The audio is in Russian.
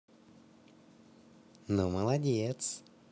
ну молодец